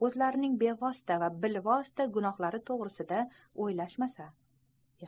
o'zlarining bevosita va bilvosita gunohlari to'g'risida o'ylashmasa